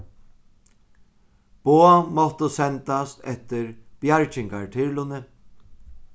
boð máttu sendast eftir bjargingartyrluni